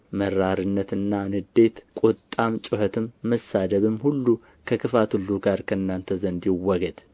መራርነትና ንዴት ቁጣም ጩኸትም መሳደብም ሁሉ ከክፋት ሁሉ ጋር ከእናንተ ዘንድ ይወገድ